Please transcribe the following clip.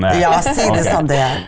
ja, si som det er!